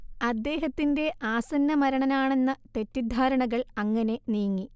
അദ്ദേഹത്തിന്റെ ആസന്നമരണനാണെന്ന തെറ്റിദ്ധാരണകൾ അങ്ങനെ നീങ്ങി